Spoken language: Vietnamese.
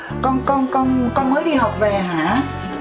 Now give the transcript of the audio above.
con con con con mới đi học về hả